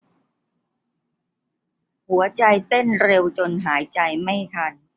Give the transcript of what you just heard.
หัวใจเต้นเร็วจนหายใจไม่ทัน